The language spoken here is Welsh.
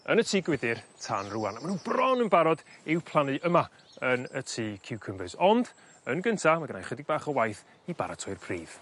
yn y tŷ gwydyr tân rŵan a ma' n'w bron yn barod i'w plannu yma yn y tŷ ciwcymbyrs ond yn gynta ma' gynnai chydig bach o waith i baratoi'r pridd.